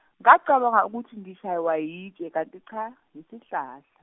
ngacabanga ukuthi ngishaywa yitshe, kanti cha yisihlahla.